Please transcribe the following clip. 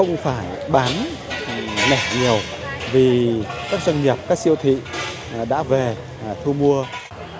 không phải bán lẻ nhiều vì các doanh nghiệp các siêu thị đã đã về thu mua